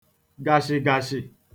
gàshigàshị